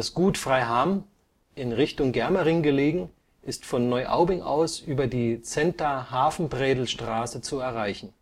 Gut Freiham, in Richtung Germering gelegen, ist von Neuaubing aus über die Centa-Hafenbrädl-Straße zu erreichen